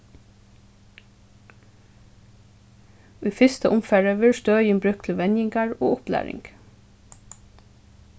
í fyrsta umfari verður støðin brúkt til venjingar og upplæring